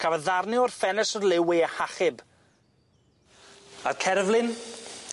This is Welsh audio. Cafodd ddarne o'r ffenestr liw ei hachub. A'r cerflun?